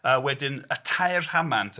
A wedyn y tair rhamant.